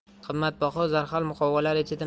qimmatbaho zarhal muqovalar ichida